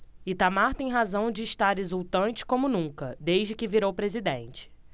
itamar tem razão de estar exultante como nunca desde que virou presidente